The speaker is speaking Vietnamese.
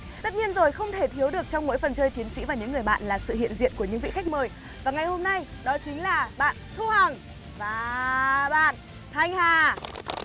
tất nhiên rồi không thể thiếu được trong mỗi phần chơi chiến sĩ và những người bạn là sự hiện diện của những vị khách mời và ngày hôm nay đó chính là bạn thu hằng và bạn thanh hà